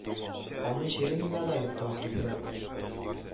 Аның чире миңа да йокты ахрысы